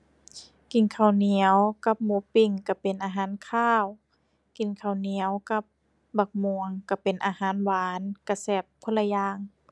กินข้าวเหนียวกับหมูปิ้งก็เป็นอาหารคาว กินข้าวเหนียวกับบักม่วงก็เป็นอาหารหวาน ก็แซ่บคนละอย่าง